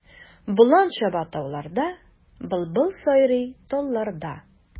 Болан чаба тауларда, былбыл сайрый талларда.